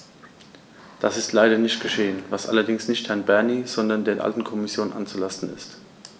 Das ist leider nicht geschehen, was allerdings nicht Herrn Bernie, sondern der alten Kommission anzulasten ist.